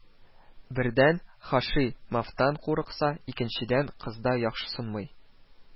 Бердән, Һаши-мовтан курыкса, икенчедән, кыздан яхшысынмый